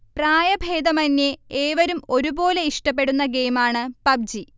പ്രായഭേദമന്യേ ഏവരും ഒരുപോലെ ഇഷ്ടപെടുന്ന ഗെയിമാണ് പബ്ജി